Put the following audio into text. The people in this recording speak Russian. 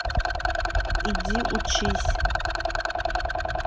иди учись